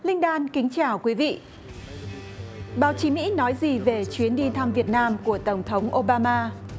linh đoan kính chào quý vị báo chí mỹ nói gì về chuyến đi thăm việt nam của tổng thống ô ba ma